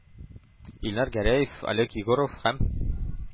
Илнар Гәрәев, Олег Егоров һәм